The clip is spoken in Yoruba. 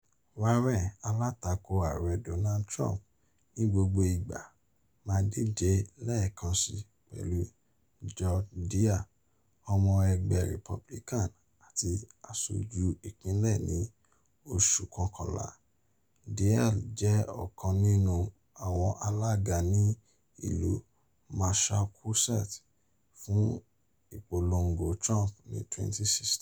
Warren, alátakò Ààrẹ Donald Trump ní gbogbo ìgbà, máa díjẹ lẹ́ẹ̀kan si pẹ̀lú Geoff Diehl , ọmọ ẹgbẹ́ Republican àti aṣojú ìpínlẹ̀ ní oṣù kọkànlá. Diehl jẹ́ ọ̀kan nínú àwọn alága ní ìlú Massachusetts fún ìpolongo Trump ní 2016.